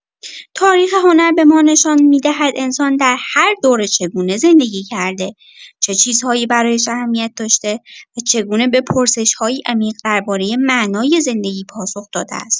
تاریخ هنر به ما نشان می‌دهد انسان در هر دوره چگونه زندگی کرده، چه چیزهایی برایش اهمیت داشته و چگونه به پرسش‌هایی عمیق درباره معنای زندگی پاسخ داده است.